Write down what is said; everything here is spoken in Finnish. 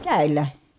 kädellä